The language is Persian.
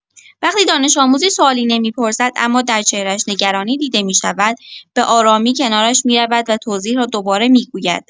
وقتی دانش‌آموزی سوالی نمی‌پرسد اما در چهره‌اش نگرانی دیده می‌شود، به‌آرامی کنارش می‌رود و توضیح را دوباره می‌گوید.